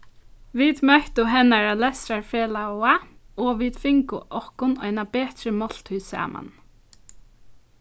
vit møttu hennara lestrarfelaga og vit fingu okkum eina betri máltíð saman